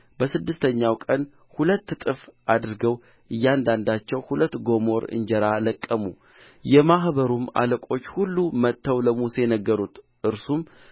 በስድስተኛው ቀን ሁለት እጥፍ አድርገው እያንዳንዳቸው ሁለት ጎሞር እንጀራ ለቀሙ የማኀበሩም አለቆች ሁሉ መጥተው ለሙሴ ነገሩት እርሱም